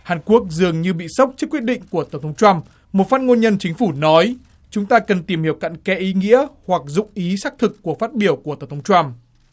hàn quốc dường như bị sốc trước quyết định của tổng thống trăm một phát ngôn nhân chính phủ nói chúng ta cần tìm hiểu cặn kẽ ý nghĩa hoặc dụng ý xác thực của phát biểu của tổng thống trăm